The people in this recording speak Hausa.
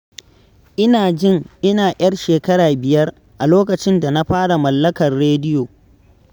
Ina jin ina 'yar shekara 5 a lokacin da na fara mallakar rediyo.